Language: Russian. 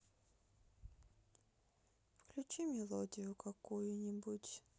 включи комедию какую нибудь